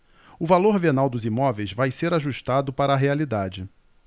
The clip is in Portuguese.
o valor venal dos imóveis vai ser ajustado para a realidade